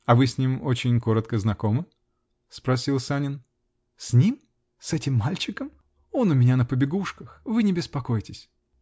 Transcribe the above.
-- А вы с ним очень коротко знакомы? -- спросил Санин. -- С ним? С этим мальчиком? Он у меня на побегушках. Вы не беспокойтесь!